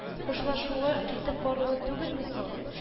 Хушлашуы, китеп баруы түгелме соң